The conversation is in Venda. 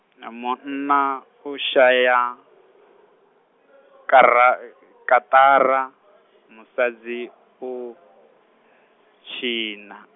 na munna u shaya, kara- kaṱara, musadzi u tshina.